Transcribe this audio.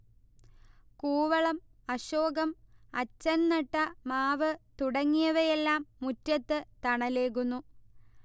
കൂവളം, അശോകം, അച്ഛൻ നട്ട മാവ് തുടങ്ങിയവയെല്ലാം മുറ്റത്ത് തണലേകുന്നു